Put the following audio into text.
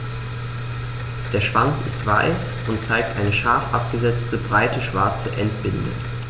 Der Schwanz ist weiß und zeigt eine scharf abgesetzte, breite schwarze Endbinde.